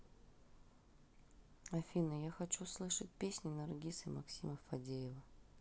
афина я хочу услышать песни наргиз и максима фадеева